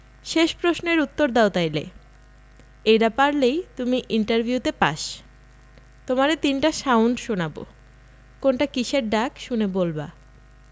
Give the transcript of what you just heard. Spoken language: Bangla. শেষ প্রশ্নের উত্তর দাও তাইলে এইডা পারলেই তুমি ইন্টার ভিউতে পাস তোমারে তিনটা সাউন্ড শোনাবো কোনটা কিসের ডাক শুনে বলবা